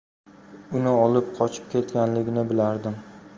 uni olib qochib ketganligini bilardim